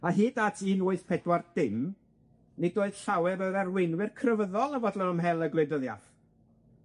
A hyd at un wyth pedwar dim, nid oedd llawer o'r arweinwyr crefyddol yn fodlon ymhell â gwleidyddiath.